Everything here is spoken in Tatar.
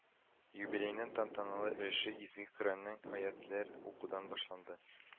Юбилейның тантаналы өлеше Изге Коръәннән аятьләр укудан башланды